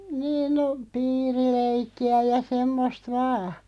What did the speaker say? niin no piirileikkiä ja semmoista vain